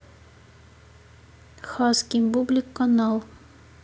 хаски бублик канал